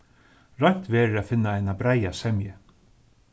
roynt verður at finna eina breiða semju